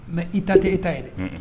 Mɛ i ta tɛ e ta ye dɛ